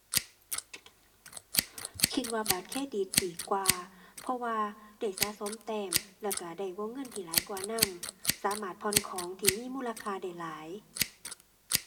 คิดว่าบัตรเครดิตดีกว่า เพราะว่าได้สะสมแต้ม แล้วก็ได้วงเงินที่หลายกว่านำสามารถผ่อนของที่มีมูลค่าได้หลาย